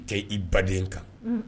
Tɛ i baden kan